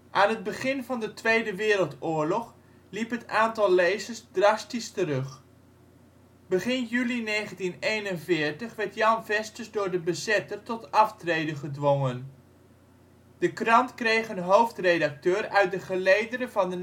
Aan het begin van de Tweede Wereldoorlog liep het aantal lezers drastisch terug. Begin juli 1941 werd Jan Vesters door de bezetter tot aftreden gedwongen. De krant kreeg een hoofdredacteur uit de gelederen van de